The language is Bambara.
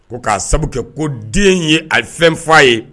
Ko k'a sababu kɛ ko den ye a ye fɛn fɔ a ye